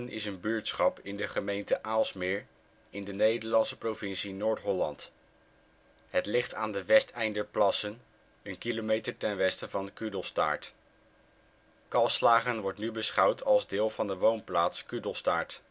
is een buurtschap in de gemeente Aalsmeer, in de Nederlandse provincie Noord-Holland. Het ligt aan de Westeinderplassen, een kilometer ten westen van Kudelstaart. Calslagen wordt nu beschouwd als deel van de woonplaats Kudelstaart